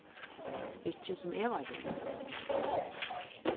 ikki sum eg veit um